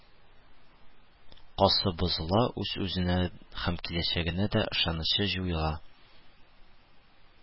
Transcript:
Касы бозыла, үз-үзенә һәм киләчәгенә дә ышанычы җуела